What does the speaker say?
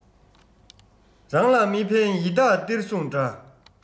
རང ལ མི ཕན ཡི དྭགས གཏེར སྲུང འདྲ